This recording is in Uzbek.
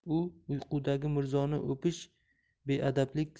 u uyqudagi mirzoni o'pish beadablik